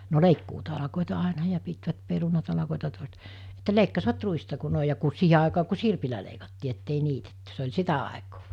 no leikkuutalkoita aina ja pitivät perunatalkoita toiset että leikkasivat ruista kun noin ja kun siihen aikaan kun sirpillä leikattiin että ei niitetty se oli sitä aikaa